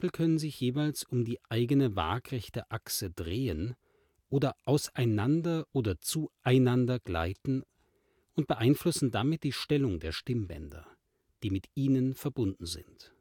können sich jeweils um die eigene waagerechte Achse drehen oder auseinander oder zueinander gleiten und beeinflussen damit die Stellung der Stimmbänder, die mit ihnen verbunden sind